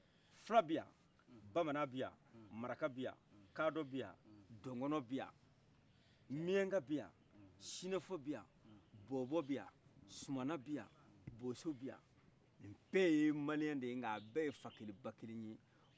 fila biyan bamanan biyan maraka biyan kadɔ biyan dɔgɔnɔ biyan miyɛnka biyan sinafɔ biyan bɔbɔ biyan sumana biyan boso biyan ni bɛ ye maliyɛn de ye n'ga bɛ ye fakele bakele ye